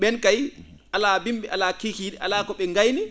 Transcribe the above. ?een kay alaa bimmbi alaa kiikii?e alaa ko ?e ngayni